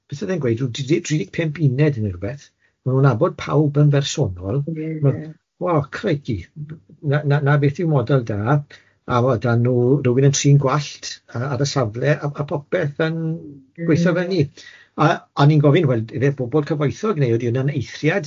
beth o'dd e'n gweud, ryw dri deg tri deg deg pump uned ne rwbeth, mae nw'n abod pawb yn bersonol, ma' o o crikey! 'na 'na 'na beth yw model da, a wedon n'w rywun yn trin gwallt a ar y safle a a popeth yn gweitho fel 'ny, a o'n i'n gofyn, wel ife bobol cyfoethog ne ydi hwnna'n eithriad?